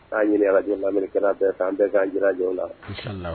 Ka ɲini arajo laɛnnikɛla bɛɛ lajɛlen fɛ an bɛɛ k'an jilaja o la